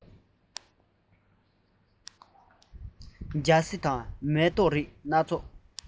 རྒྱ སེ སོགས མེ ཏོག གི རིགས སྣ ཚོགས མ ཟད